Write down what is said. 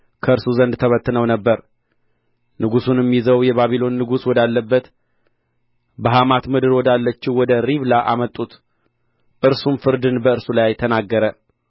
ከእርሱ ዘንድ ተበትነው ነበር ንጉሡንም ይዘው የባቢሎን ንጉሥ ወዳለባት በሐማት ምድር ወዳለችው ወደ ሪብላ አመጡት እርሱም ፍርድን በእርሱ ላይ ተናገረ